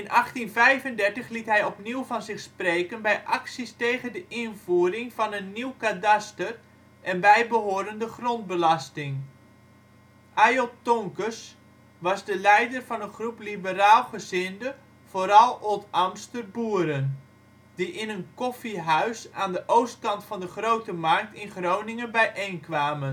In 1835 liet hij opnieuw van zich spreken bij acties tegen de invoering van een nieuw kadaster en bijbehorende grondbelasting. Ayolt Tonkes was de leider van een groep liberaal gezinde, vooral Oldambtster boeren, die in een koffiehuis aan de oostkant van de Grote Markt in Groningen bijeenkwam